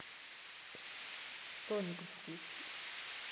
что нибудь включи